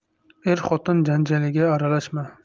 er xotin janjaliga aralashma